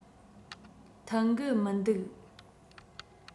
མཐུན གི མི འདུག